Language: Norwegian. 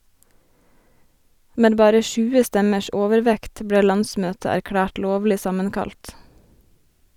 Med bare 20 stemmers overvekt ble landsmøtet erklært lovlig sammenkalt.